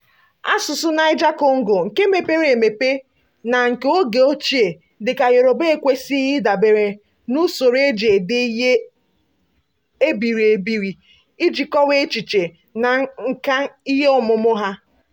Asụsụ Niger-Congo nke mepere emepe na nke oge ochie dị ka Yorùbá ekwesịghị ịdabere na usoro e ji ede ihe e biiri ebiri iji kọwaa echiche na nkà ihe ọmụma ya.